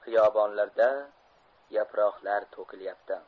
xiyobonlarda yaproqlar to'kilyapti